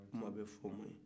kumabɛɛfɔ man ɲi